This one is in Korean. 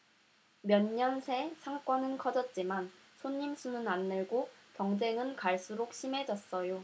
몇 년 새 상권은 커졌지만 손님 수는 안 늘고 경쟁은 갈수록 심해졌어요